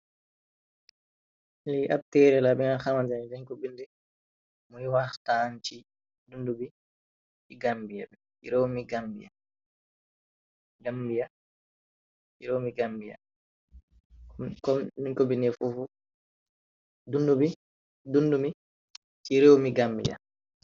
Lii ab teere la bi nga xaman deñko binde muy waaxtaan ci dundu bi, ci Gambiya bi, réewmi Gambiya, Gambiya, reewmi Gambiya bi, kom nuñ ko binde fuufu dundu bi ci réew mi Gambiya.